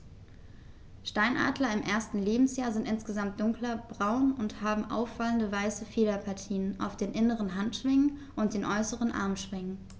Steinadler im ersten Lebensjahr sind insgesamt dunkler braun und haben auffallende, weiße Federpartien auf den inneren Handschwingen und den äußeren Armschwingen.